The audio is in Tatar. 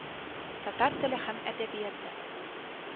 Татар теле һәм әдәбияты